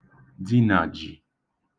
dīnàjì